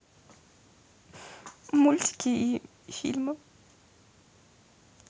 мультики и фильмы